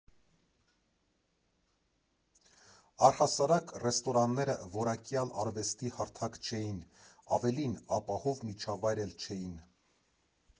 Առհասարակ, ռեստորանները որակյալ արվեստի հարթակ չէին, ավելին՝ ապահով միջավայր էլ չէին։